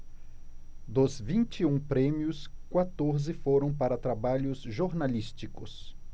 dos vinte e um prêmios quatorze foram para trabalhos jornalísticos